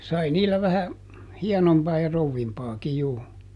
sai niillä vähän hienompaa ja krouvimpaakin juu